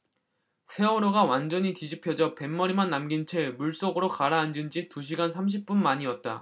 세월호가 완전히 뒤집혀져 뱃머리만 남긴 채 물속으로 가라앉은 지 두 시간 삼십 분 만이었다